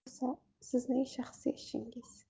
bu sizning shaxsiy ishingiz